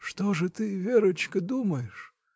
— Что же ты, Верочка, думаешь?